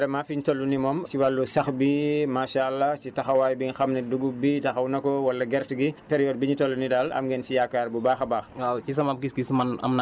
waaye li ngeen seetlu daal vraiment fiñ toll nii moom si wàllu sax bi macha allah si taxawaay bi nga xam ne dugub bi taxaw na ko wala gerte gi période bi ñu toll nii daal am ngeen si yaakaar bu baax a baax